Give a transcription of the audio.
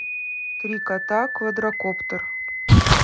три кота квадрокоптер